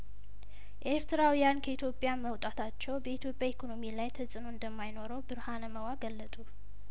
ኤርትራውያን ከኢትዮጵያ መውጣታቸው በኢትዮጵያ ኢኮኖሚ ላይ ተጽእኖ እንደማይኖረው ብርሀነመዋ ገለጡ